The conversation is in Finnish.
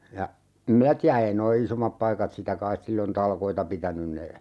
ja en minä tiedä ei nuo isommat paikat sitä kai silloin talkoita pitänyt ne